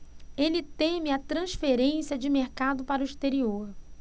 ele teme a transferência de mercado para o exterior